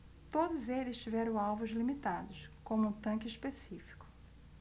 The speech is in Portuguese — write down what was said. todos eles tiveram alvos limitados como um tanque específico